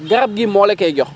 garab gi moo la koy jox